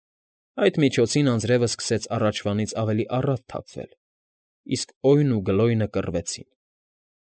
Այդ միջոցին անձրևն սկսեց առաջվանից ավելի առաջ թափվել, իսկ Օյնն ու Գլոյնը կռվեցին։